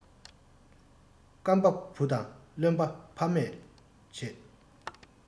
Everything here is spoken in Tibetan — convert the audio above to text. སྐམ པ བུ དང རློན པ ཕ མས བྱེད